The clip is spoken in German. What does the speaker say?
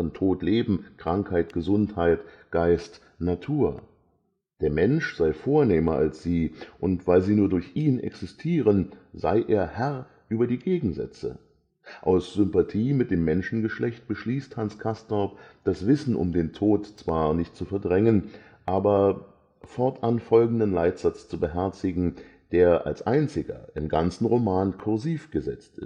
Tod-Leben “,„ Krankheit-Gesundheit “,„ Geist-Natur “. Der Mensch sei vornehmer als sie, und weil sie nur durch ihn existieren, sei er Herr über die Gegensätze. Aus Sympathie mit dem Menschengeschlecht beschließt Hans Castorp, das Wissen um den Tod zwar nicht zu verdrängen, aber fortan folgenden Leitsatz zu beherzigen, der als einziger im ganzen Roman kursiv gesetzt